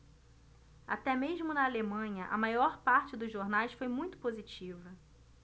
até mesmo na alemanha a maior parte dos jornais foi muito positiva